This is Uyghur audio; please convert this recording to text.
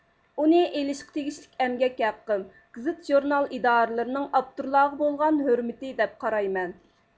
ئۇنى ئېلىشقا تېگىشلىك ئەمگەك ھەققىم گېزىت ژۇرنال ئىدارىلىرىنىڭ ئاپتورلارغا بولغان ھۆرمىتى دەپ قارايمەن